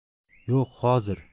yo'q hozir